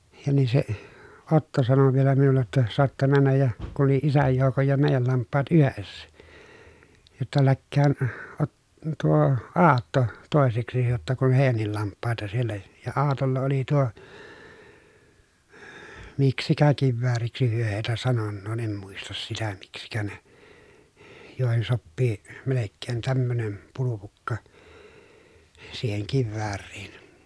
ja niin se Otto sanoi vielä minulle jotta saatte mennä ja kun oli isän joukon ja meidän lampaat yhdessä jotta lähteköön - tuo Aatto toiseksi jotta kun heidänkin lampaita siellä ja Aatolla oli tuo miksikä kivääriksi he heitä sanonee en muista sitä miksikä ne joihin sopii melkein tämmöinen pulpukka siihen kivääriin